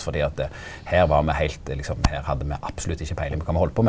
fordi at her var me heilt liksom her hadde me absolutt ikkje peiling på kva me heldt på med.